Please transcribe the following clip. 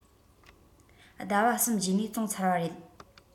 ཟླ བ གསུམ རྗེས ནས བཙོང ཚར བ རེད